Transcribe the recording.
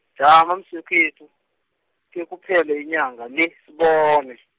jama mswekhethu, khekuphele inyanga le sibone.